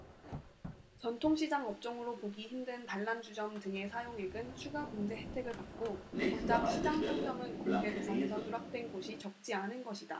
전통시장 업종으로 보기 힘든 단란주점 등의 사용액은 추가 공제 혜택을 받고 정작 시장 상점은 공제 대상에서 누락된 곳이 적지 않은 것이다